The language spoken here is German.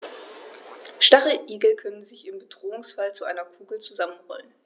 Stacheligel können sich im Bedrohungsfall zu einer Kugel zusammenrollen.